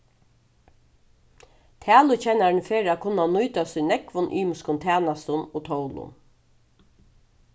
talukennarin fer at kunna nýtast í nógvum ymiskum tænastum og tólum